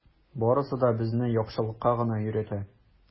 Барысы да безне яхшылыкка гына өйрәтә.